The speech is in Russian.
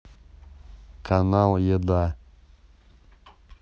канал еда